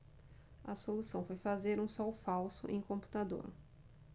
a solução foi fazer um sol falso em computador